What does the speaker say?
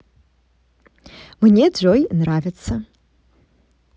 мне джой нравится